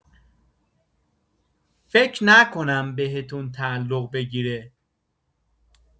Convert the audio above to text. فکر نکنم بهتون تعلق بگیره